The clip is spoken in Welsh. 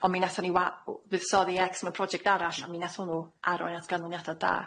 On' mi nathon ni wa- w- fuddsoddi ecs mewn project arall, a mi nath hwnnw arwain at ganlyniada da.